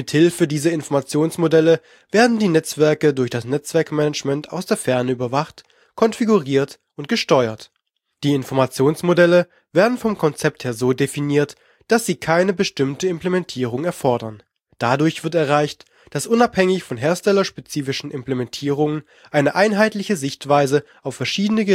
Hilfe dieser Informationsmodelle werden die Netzwerke durch das Netzwerkmanagement aus der Ferne überwacht, konfiguriert und gesteuert. Die Informationsmodelle werden vom Konzept her so definiert, dass sie keine bestimmte Implementierung erfordern: dadurch wird erreicht, dass unabhängig von herstellerspezifischen Implementierungen eine einheitliche Sichtweise auf verschiedene